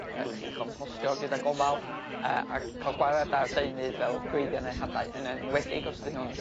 Yy felly chompostio gyda gofal yy a ca'l gwarad ar deunydd fel gwreiddia' ne' hadau yn enwedig os 'dyn nw'n